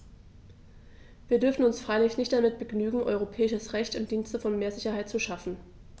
Wir dürfen uns freilich nicht damit begnügen, europäisches Recht im Dienste von mehr Sicherheit zu schaffen.